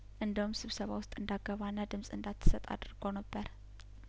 እንደውም ስብሰባው ውስጥ እንዳገባና ድምጽ እንዳትሰጥ አድርጐ ነበር